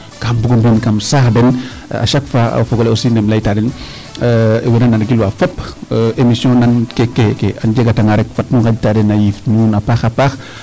kaa mbugo mbi in kam saax den a chaque fois fogole aussi neem leyta den wena nan gilwa fop emission nan keeke a njega tanga rek fat nu nganj ta dena yiif nuun a paax paax